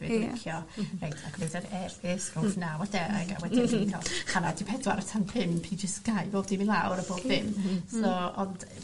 ...dwi licio reit wnâi gweithio ar e-byst rhwngth naw a deg a wedyn 'yn ni'n ca'l hanner awr 'di pedwar tan pump i jyst gau pob dim i lawr a pob ddim so ond...